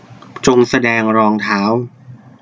จงแสดงรองเท้า